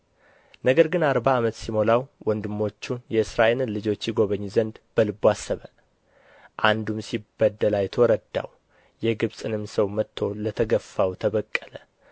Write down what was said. ነገር ግን አርባ ዓመት ሲሞላው ወንድሞቹን የእስራኤልን ልጆች ይጐበኝ ዘንድ በልቡ አሰበ አንዱም ሲበደል አይቶ ረዳው የግብፅን ሰውም መትቶ ለተገፋው ተበቀለ